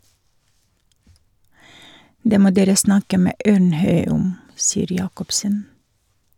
Det må dere snakke med Ørnhøi om, sier Jakobsen.